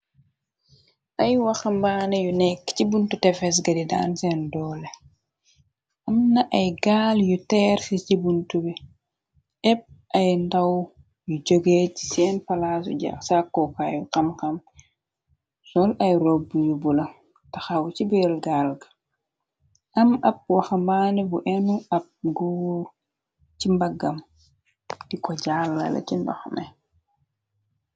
Ay waxambaané yu nekk ci buntu tefesga di daan seen doole. Am na ay gaal yu teer si si buntu bi, épp ay ndaw yu jogee ci seen palaasu sakkoo kaayu xamxam, sol ay robbu yu bula, taxaw ci biir gaal ga, am ab waxambaane bu enu, ab goor ci mbaggam di ko jaalal ci ndox mi.